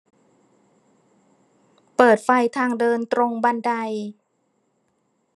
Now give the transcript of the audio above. เปิดไฟทางเดินตรงบันได